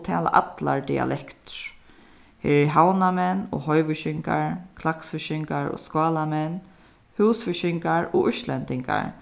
og tala allar dialektir her eru havnarmenn og hoyvíkingar klaksvíkingar og skálamenn húsvíkingar og íslendingar